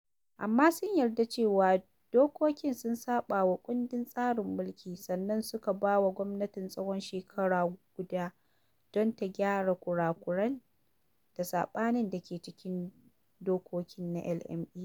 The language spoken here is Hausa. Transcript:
Amma sun yarda cewa dokokin sun saɓawa kundin tsarin mulki, sannan suka ba wa gwamnatin tsawon shekara guda don ta gyara kure-kuran da saɓani da ke cikin dokokin na LMA.